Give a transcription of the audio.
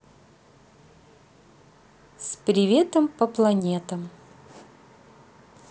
с приветом по планетам